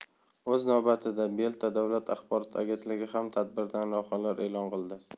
o'z navbatida belta davlat axborot agentligi ham tadbirdan lavhalar e'lon qildi